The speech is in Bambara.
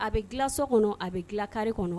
A bɛ gso kɔnɔ a bɛ dilan kari kɔnɔ